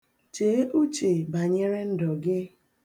Chee uche banyere ndụ gị.